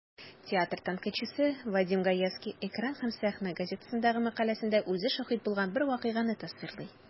Театр тәнкыйтьчесе Вадим Гаевский "Экран һәм сәхнә" газетасындагы мәкаләсендә үзе шаһит булган бер вакыйганы тасвирлый.